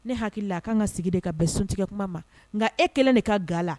Ne hakilila a k'an ka sigi de ka bɛn sun tigɛ kuma ma nka e kɛlen de ka gala